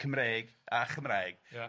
Cymreig a Chymraeg... Ia...